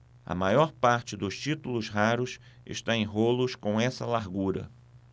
a maior parte dos títulos raros está em rolos com essa largura